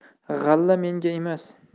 g'alla menga emas